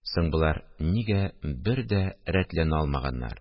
Соң болар нигә бер дә рәтләнә алмаганнар